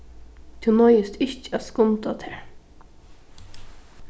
tú noyðist ikki at skunda tær